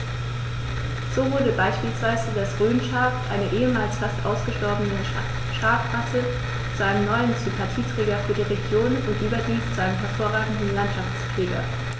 So wurde beispielsweise das Rhönschaf, eine ehemals fast ausgestorbene Schafrasse, zu einem neuen Sympathieträger für die Region – und überdies zu einem hervorragenden Landschaftspfleger.